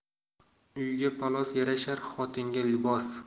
uyga palos yarashar xotinga libos